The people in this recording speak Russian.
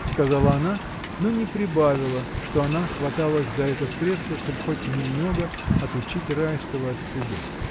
— сказала она, но не прибавила, что она хваталась за это средство, чтоб хоть немного отучить Райского от себя.